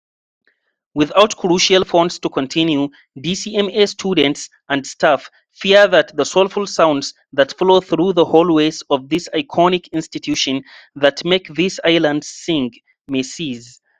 Without crucial funds to continue, DCMA students and staff fear that the soulful sounds that flow through the hallways of this iconic institution that make these islands sing — may cease.